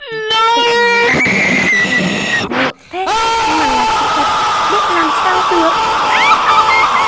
tự nói ra với anh thế này ngượng thế nhưng mà là sự thật biết làm sao được á há